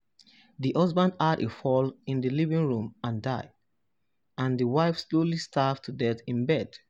The husband had a fall in the living room and died, and the wife slowly starved to death in bed.